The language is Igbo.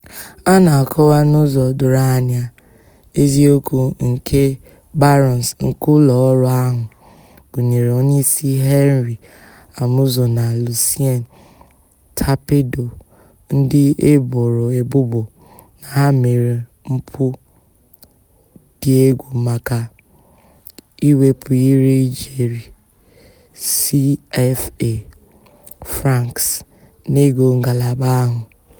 Ọ na-akọwa n'ụzọ doro anya eziokwu nke 'barons' nke ụlọọrụ ahụ, gụnyere onyeisi Henri Amouzou na Lucien Tapé Doh ndị e boro ebubo na ha mere mpụ dị egwu maka iwepụ iri ijeri CFA francs n'ego ngalaba ahụ.